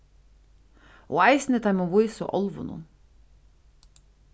og eisini teimum vísu álvunum